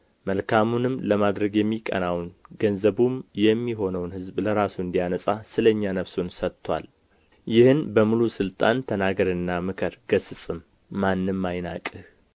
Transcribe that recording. መልካሙንም ለማድረግ የሚቀናውን ገንዘቡም የሚሆነውን ሕዝብ ለራሱ እንዲያነጻ ስለ እኛ ነፍሱን ሰጥቶአል ይህን በሙሉ ሥልጣን ተናገርና ምከር ገሥጽም ማንም አይናቅህ